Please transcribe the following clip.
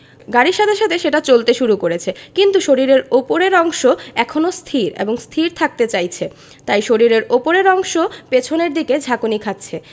গাড়ির সাথে সাথে সেটা চলতে শুরু করেছে কিন্তু শরীরের ওপরের অংশ এখনো স্থির এবং স্থির থাকতে চাইছে তাই শরীরের ওপরের অংশ পেছনের দিকে ঝাঁকুনি খাচ্ছে